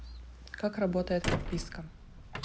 как работает подписка